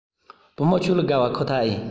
བུ མོ ཁྱོད ལ དགའ བ ཁོ ཐག ཡིན